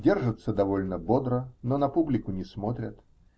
Держатся довольно бодро, но на публику не смотрят.